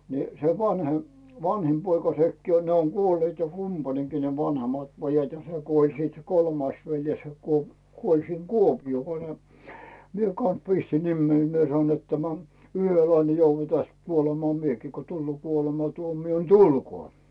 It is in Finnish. niin se vanhin vanhin poika sekin on ne on kuolleet kumpainenkin ne vanhemmat pojat ja se kuoli sitten se kolmas veljes se - kuoli siinne Kuopioon kun ne minä kanssa pistin nimeni minä sanoin että tämä yhdellä lailla niin joudan tästä kuolemaan minäkin kun tulee kuolematuomio niin tulkoon